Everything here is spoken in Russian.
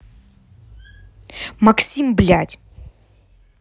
максим блядь